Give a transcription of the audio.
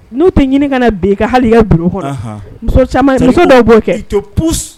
N'u tɛ ɲini ka na bin i ka hali i ka bureau kɔnɔ, anhan, muso caman muso dɔw b'o kɛ, ils te poussent